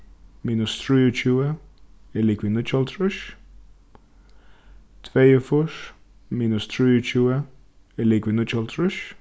minus trýogtjúgu er ligvið níggjuoghálvtrýss tveyogfýrs minus trýogtjúgu er ligvið níggjuoghálvtrýss